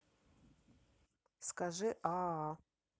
скажи а а а